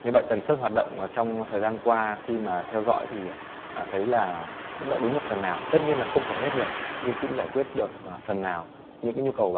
như vậy tần suất hoạt động ở trong thời gian qua khi mà theo dõi thì thấy là cũng đã ứng được phần nào tất nhiên là không thể hết được nhưng cũng giải quyết được phần nào những nhu cầu